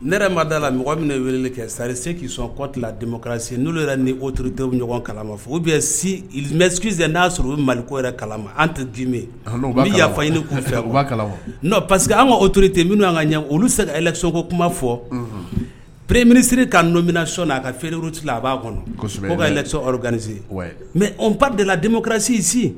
Ne yɛrɛ ma da la mɔgɔ min wele kɛ sari se k'i sɔn kɔtise n'o yɛrɛ ni otote ɲɔgɔn kalama fɔ u bɛ n' y'a sɔrɔ u bɛ malikɔ yɛrɛ kalama an tɛ di u bɛ yafa ɲini kɔfɛ u parce que an ka oto ten minnu ka ɲɛ olu se es ko kuma fɔ perere minisiri ka nɔ min sɔn na aa ka feereereuruti a b'a kɔnɔ bɛsɔn ganisi mɛ pa dela denmusosi